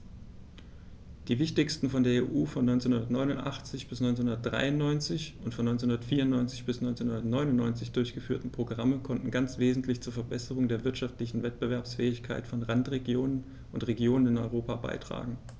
Die wichtigsten von der EU von 1989 bis 1993 und von 1994 bis 1999 durchgeführten Programme konnten ganz wesentlich zur Verbesserung der wirtschaftlichen Wettbewerbsfähigkeit von Randregionen und Regionen in Europa beitragen.